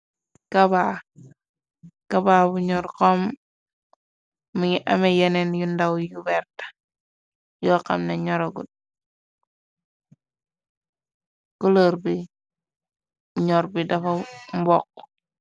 Kabaa kabaa bu nyor xom mongi ame yeneen yu ndaw yu werta yooxamne nyoragud colur bu nyor bi dafa mbokqu.